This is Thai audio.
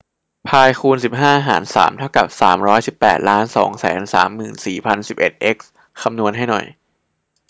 พายคูณสิบห้าหารสามเท่ากับสามร้อยสิบแปดล้านสองแสนสามหมื่นสี่พันสิบเอ็ดเอ็กซ์คำนวณให้หน่อย